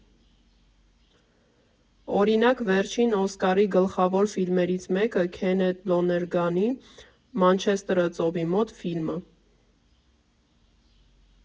Օրինակ՝ վերջին Օսկարի գլխավոր ֆիլմերից մեկը՝ Քենեթ Լոներգանի «Մանչեսթերը ծովի մոտ» ֆիլմը։